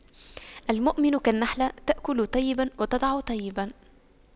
المؤمن كالنحلة تأكل طيبا وتضع طيبا